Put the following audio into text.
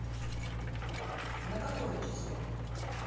на какое число